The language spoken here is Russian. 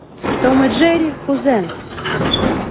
том и джерри кузен